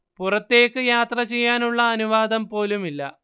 പുറത്തേക്ക് യാത്ര ചെയ്യാനുള്ള അനുവാദം പോലുമില്ല